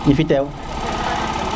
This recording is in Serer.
ñifi teew